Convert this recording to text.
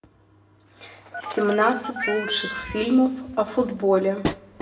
семнадцать лучших фильмов о футболе